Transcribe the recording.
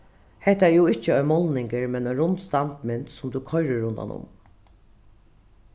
hetta er jú ikki ein málningur men ein rund standmynd sum tú koyrir rundanum